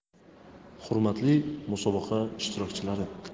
hurmatli musobaqa ishtirokchilari